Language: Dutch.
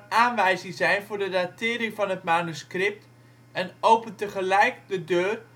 aanwijzing zijn voor de datering van het manuscript en opent tegelijk de deur